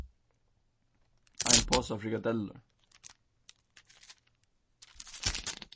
ein posa frikadellur